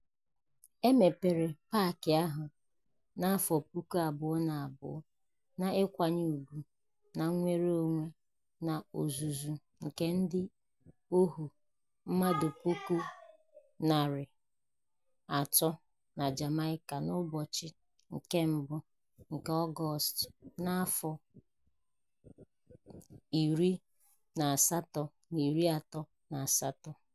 E mepere paakị ahụ na 2002 n'ịkwanye ùgwù na "nnwere onwe n'ozuzu" nke ndị óhù 300,000 na Jamaica n'ụbọchị 1 nke Ọgọọstụ,1838.